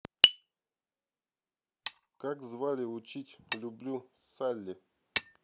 как звали учить люблю sally